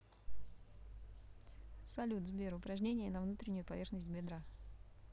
салют сбер упражнение на внутреннюю поверхность бедра